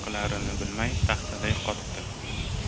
qilarini bilmay taxtaday kotdi